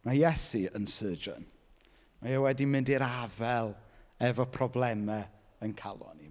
Ma' Iesu yn surgeon. Mae e wedi mynd i'r afael efo problemau ein calon ni.